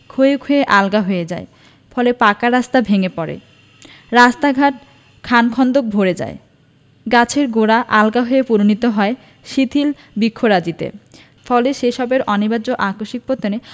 ক্ষয়ে ক্ষয়ে আলগা হয়ে যায় ফলে পাকা রাস্তা ভেঙ্গে পড়ে রাস্তাঘাট খানাখন্দকে ভরে যায় গাছের গোড়া আলগা হয়ে পরিণত হয় শিথিল বৃক্ষরাজিতে ফলে সে সবের অনিবার্য আকস্মিক পতনে